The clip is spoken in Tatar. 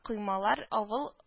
Коймалар авыл